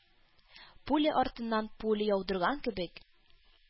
Пуля артыннан пуля яудырган кебек,